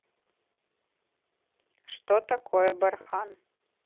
что такое бархан